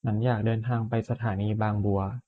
ฉันอยากเดินทางไปสถานีบางบัว